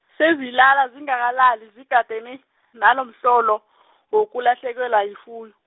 sezilala zingakalali zigadane, nalomhlolo , wokulahlekelwa yifuyo.